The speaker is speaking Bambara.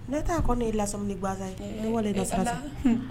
Ne t' ko ne yei lasm ni gansan ye ne bɛ sara